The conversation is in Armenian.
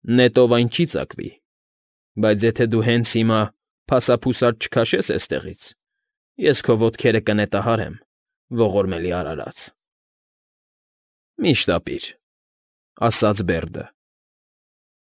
Նետով այն չի ծակվի, բայց եթե դու հենց հիմա փասափուսադ չքաշես էստեղից, ես քո ոտքերը կնետահարեմ, ողորմելի արարած… Շո՜ւտ… ֊ Մի՛ շտապիր,֊ ասաց Բերդը։֊